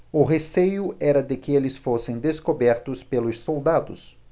o receio era de que eles fossem descobertos pelos soldados